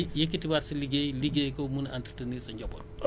bu dee leboo woon sa alal la woon